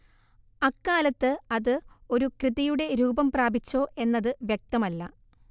അക്കാലത്ത് അത് ഒരു കൃതിയുടെ രൂപം പ്രാപിച്ചോ എന്നത് വ്യക്തമല്ല